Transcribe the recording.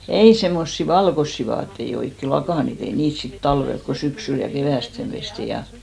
ei semmoisia valkoisia vaatteita oikein lakanoita ei niitä sitten talvella kun syksyllä ja keväästi pestiin ja